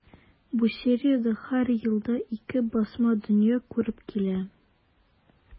Бу сериядә һәр елда ике басма дөнья күреп килә.